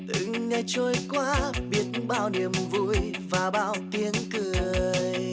từng ngày trôi qua biết bao niềm vui và bao tiếng cười